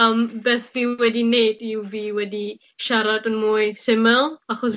am beth dwi wedi neud, yw fi wedi siarad yn mwy symyl, achos...